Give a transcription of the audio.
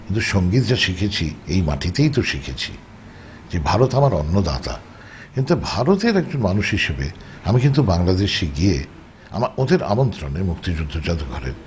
কিন্তু সংগীত যা শিখেছি এই মাটিতেই তো শিখেছি এ ভারত আমার অন্নদাতা কিন্তু ভারতের একজন মানুষ হিসাবে আমি কিন্তু বাংলাদেশে গিয়ে আমার ওদের আমন্ত্রণে মুক্তিযুদ্ধ জাদুঘরে